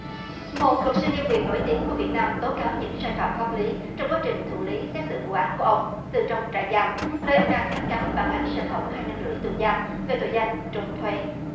một luật sư nhân quyền nổi tiếng của việt nam tố cáo những sai phạm pháp lý trong quá trình thụ lý xét xử vụ án của ông từ trong trại giam nơi ông đang kháng cáo bản án sơ thẩm hai năm rưỡi tù giam về tội danh trốn thuế